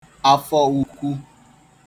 afọ ukwu